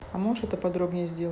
а можешь это подробнее сделать